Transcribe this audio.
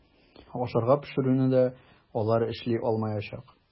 Ашарга пешерүне дә алар эшли алмаячак.